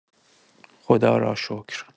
خدا را شکر.